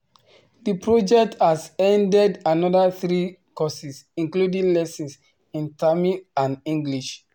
The project has added another three courses, including lessons in Tamil and English.